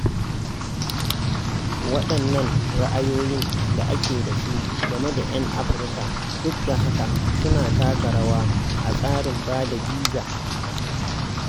Waɗannan ra'ayoyi da ake da su game da 'yan Afirka, duk da haka, su na taka rawa a tsarin ba da biza: